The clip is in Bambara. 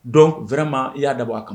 Don wɛrɛ ma i y'a dabɔ a kama